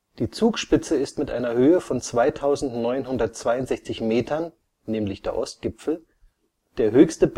Die Zugspitze ist mit einer Höhe von 2962 Metern (Ostgipfel) der höchste